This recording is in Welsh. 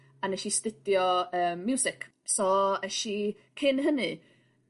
A ness i 'studio yy miwsic so eshi cyn hynny